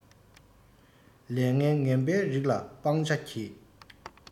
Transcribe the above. ལས ངན ངན པའི རིགས ལ སྤང བྱ གྱིས